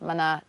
Ma' 'na